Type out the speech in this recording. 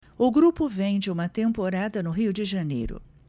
o grupo vem de uma temporada no rio de janeiro